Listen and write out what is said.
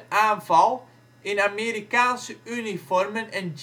aanval in Amerikaanse uniformen en